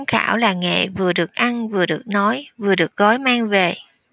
khảo là nghề vừa được ăn vừa được nói vừa được gói mang về